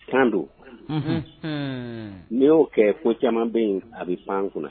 San don n y'o kɛ ko caman bɛ yen a bɛ pan kunna